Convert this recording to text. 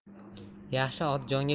yaxshi ot jonga